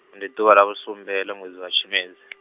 ndi ḓuvha ḽa vhusumbe ḽa ṅwedzi wa tshimedzi .